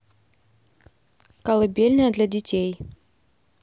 колыбельные для детей